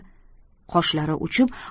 qoshlari uchib